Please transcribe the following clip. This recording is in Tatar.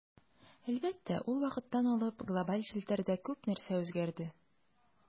Әлбәттә, ул вакыттан алып глобаль челтәрдә күп нәрсә үзгәрде.